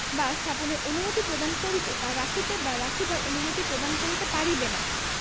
বা স্থাপনের অনুমতি প্রদান করিতে বা রাখিতে বা রাখিবার অনুমতি প্রদান করিতে পারিবে না